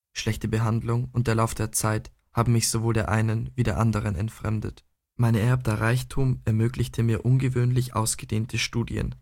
Schlechte Behandlung und der Lauf der Zeit haben mich sowohl der einen wie der anderen entfremdet. Mein ererbter Reichtum ermöglichte mir ungewöhnlich ausgedehnte Studien…